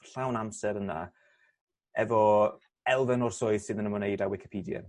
llawn amser yna efo elfen or swydd sydd yn ymwneud â wicipedie.